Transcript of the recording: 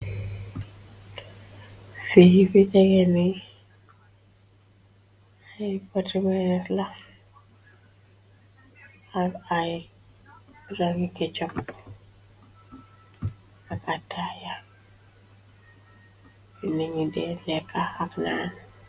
Fifi tegeni ay botmene laf ak ay ragi kecok ak atayak bi nani dejeka xaknaan.